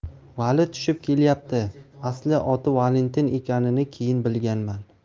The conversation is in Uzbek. vali tushib kelyapti asli oti valentin ekanini keyin bilganman